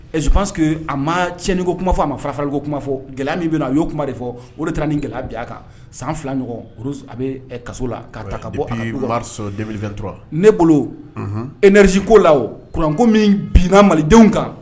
Ɛ je pense que a maa tiɲɛni ko kuma fɔ a ma fara farali ko kuma fɔ gɛlɛya min be yennɔ a y'o kuma de fɔ o de taara nin gɛlɛya bin a kan san 2 ɲɔgɔn Rose a bee ɛ kaso la k'a ta k'a bɔ a ka du kɔnɔ ouai depuis mars 2023 ne bolo o unhun énergie ko la o courant ko miin binna malidenw kan